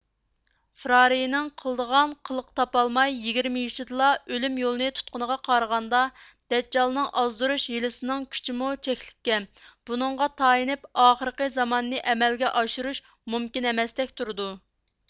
فىرارينىڭ قىلدىغان قىلىق تاپالماي يىگىرمە يېشىدىلا ئۆلۈم يولنى تۇتقىنىغا قارىغاندا دەججالنىڭ ئازدۇرۇش ھىيلىسىنىڭ كۈچىمۇ چەكلىككەن بۇنىڭغا تايىنىپ ئاخىرقى زاماننى ئەمەلگە ئاشۇرۇش مۇمكىن ئەمەستەك تۇرىدۇ